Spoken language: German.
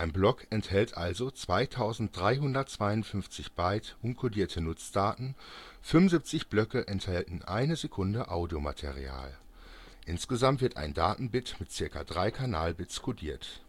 Block enthält also 2352 Byte uncodierte Nutzdaten, 75 Blöcke enthalten eine Sekunde Audiomaterial. Insgesamt wird ein Datenbit mit ca. 3 Kanalbits codiert